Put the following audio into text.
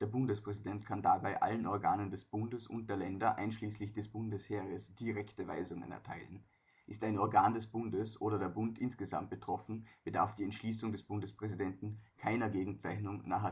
Bundespräsident kann dabei allen Organen des Bundes und der Länder, einschließlich des Bundesheeres, direkte Weisungen erteilen. Ist ein Organ des Bundes oder der Bund insgesamt betroffen, bedarf die Entschließung des Bundespräsidenten keiner Gegenzeichnung nach